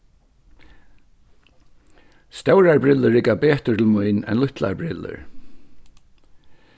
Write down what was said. stórar brillur rigga betur til mín enn lítlar brillur